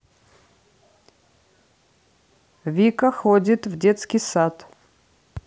вика ходит в детский сад